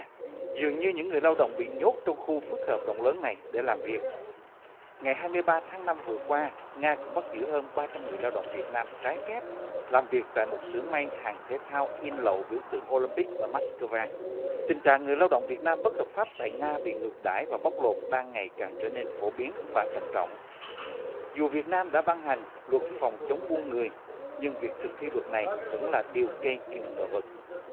dường như những người lao động bị nhốt trong khu phức hợp rộng lớn này để làm việc ngày hai mươi ba tháng năm vừa qua nga cũng bắt giữ hơn ba trăm người lao động việt nam trái phép làm việc tại một xưởng may hàng thể thao in lậu biểu tượng ô lim pích ở mát cơ va tình trạng người lao động việt nam bất hợp pháp tại nga bị ngược đãi và bóc lột đang ngày càng trở nên phổ biến và trầm trọng dù việt nam đã ban hành luật phòng chống buôn người nhưng việc thực thi luật này vẫn là điều gây nhiều ngờ vực